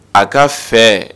A ka fɛ